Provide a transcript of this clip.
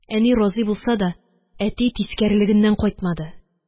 Әни разый булса да, әти тискәрелегеннән кайтмады.